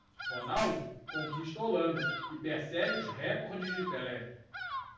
ronaldo conquista a holanda e persegue os recordes de pelé